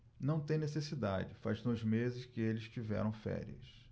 não tem necessidade faz dois meses que eles tiveram férias